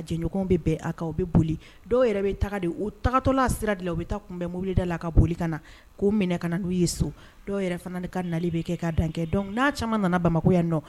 Sigiɲɔgɔnw bɛ bɛn a ka u bɛ boli dɔw yɛrɛ bɛ taga de, u taga tɔ la sira de la u bɛ taa kunbɛn mobile da la ka boli ka na, k’u minɛ ka na n'u ye so, dɔw yɛrɛ fana ka nali bɛ kɛ ka dan kɛ donc n'a caman nana bamakɔ yan ni nɔ